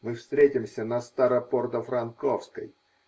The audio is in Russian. Мы встретимся на Старопортофранковской.